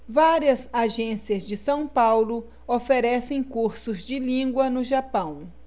várias agências de são paulo oferecem cursos de língua no japão